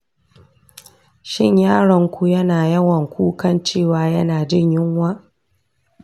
shin yaronku yana yawan kukan cewa yana jin yunwa?